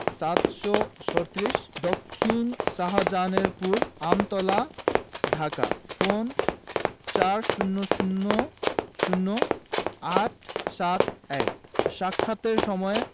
৭৩৭ দক্ষিন শাহজাহানপুর আমতলা ঢাকা ফোনঃ ৪০০০ ৮৭১ সাক্ষাতের সময়